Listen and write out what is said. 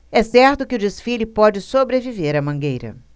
é certo que o desfile pode sobreviver à mangueira